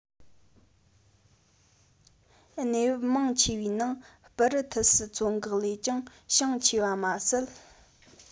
གནས བབ མང ཆེ བའི ནང སྦུ རི ཐི སི མཚོ འགག ལས ཀྱང ཞེང ཆེ བ མ ཟད